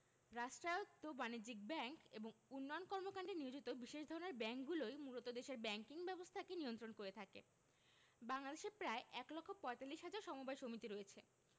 রাষ্ট্রায়ত্ত বাণিজ্যিক ব্যাংক এবং উন্নয়ন কর্মকান্ডে নিয়োজিত বিশেষ ধরনের ব্যাংকগুলোই মূলত দেশের ব্যাংকিং ব্যবস্থাকে নিয়ন্ত্রণ করে থাকে বাংলাদেশে প্রায় এক লক্ষ পয়তাল্লিশ হাজার সমবায় সমিতি রয়েছে